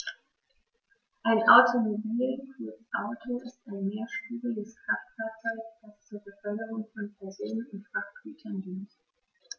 Ein Automobil, kurz Auto, ist ein mehrspuriges Kraftfahrzeug, das zur Beförderung von Personen und Frachtgütern dient.